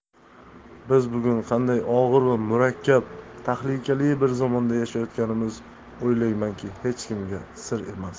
biz bugun qanday og'ir va murakkab tahlikali bir zamonda yashayotganimiz o'ylaymanki hech kimga sir emas